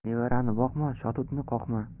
nevarani boqma shotutni qoqma